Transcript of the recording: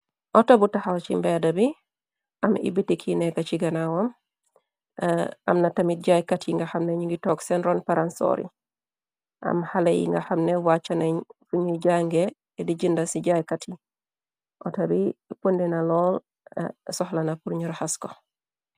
Auto bu taxal ci mbeeda bi am ibbitiki nekka ci ganawam amna tamit jaaykat yi nga xamne ñu ngi toog seen ron paransori am xale yi nga xamne wàcca na fuñuy jànge di jënda ci jaaykat yi auta bi pëndina loon soxlana prñurxasko.